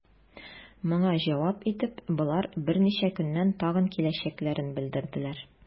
Моңа җавап итеп, болар берничә көннән тагын киләчәкләрен белдерделәр.